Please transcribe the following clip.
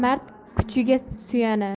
mard kuchiga suyanar